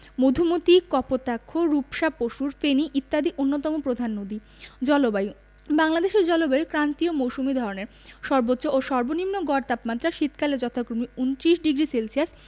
মধুমতি কপোতাক্ষ রূপসা পসুর ফেনী ইত্যাদি অন্যতম প্রধান নদী জলবায়ুঃ বাংলাদেশের জলবায়ু ক্রান্তীয় মৌসুমি ধরনের সর্বোচ্চ ও সর্বনিম্ন গড় তাপমাত্রা শীতকালে যথাক্রমে ২৯ ডিগ্রি সেলসিয়াস